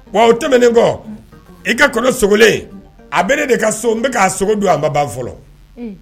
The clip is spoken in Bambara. Wa o tɛmɛnen kɔ i ka kɔnɔ sogo a bɛ de ka so n bɛka sogo don a ma ban fɔlɔ